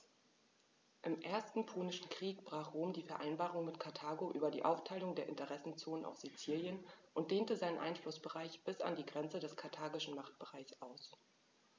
Im Ersten Punischen Krieg brach Rom die Vereinbarung mit Karthago über die Aufteilung der Interessenzonen auf Sizilien und dehnte seinen Einflussbereich bis an die Grenze des karthagischen Machtbereichs aus.